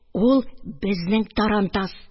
Ул безнең тарантас.